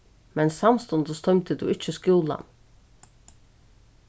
men samstundis tímdi tú ikki skúlan